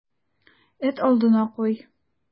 Эт алдына куй.